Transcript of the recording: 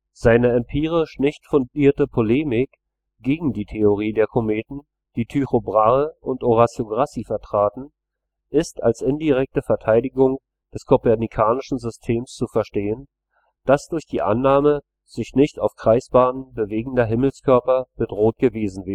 Seine empirisch nicht fundierte Polemik gegen die Theorie der Kometen, die Tycho Brahe und Orazio Grassi vertraten, ist als indirekte Verteidigung des kopernikanischen Systems zu verstehen, das durch die Annahme sich nicht auf Kreisbahnen bewegender Himmelskörper bedroht gewesen